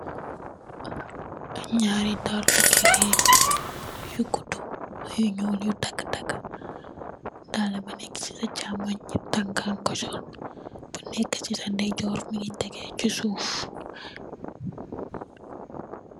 Ahb njaari daalu gigain yu gudu, yu njull, yu takah takah, daalah bu nek cii chaamongh nitt taankak kor sol, bu nek cii sa ndeyjorr mungy tehgeh cii suff.